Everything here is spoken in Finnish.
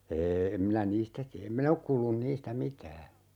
ei en minä niistä tiedä en minä ole kuullut niistä mitään